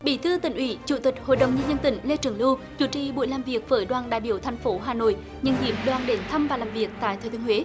bí thư tỉnh ủy chủ tịch hội đồng nhân dân tỉnh lê trường lưu chủ trì buổi làm việc với đoàn đại biểu thành phố hà nội nhân dịp đoàn đến thăm và làm việc tại thừa thiên huế